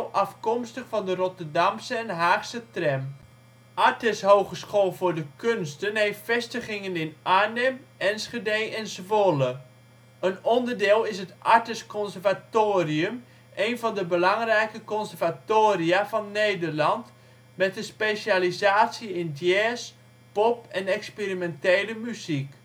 afkomstig van de Rotterdamse en Haagse tram. ArtEZ Hogeschool voor de Kunsten heeft vestigingen in Arnhem, Enschede en Zwolle. En onderdeel is het ArtEZ conservatorium, een van de belangrijke conservatoria van Nederland met en specialisatie in Jazz, Pop en experimentele Muziek